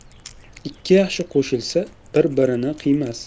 ikki yaxshi qo'shilsa birini biri qiymas